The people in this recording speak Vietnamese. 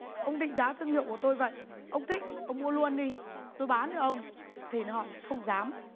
ông định giá thương hiệu của tôi vậy ông thích ông mua luôn đi tôi bán cho ông thì họ lại không dám